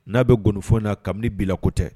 N'a bɛ gɔnifɔ in na kabini bila ko tɛ.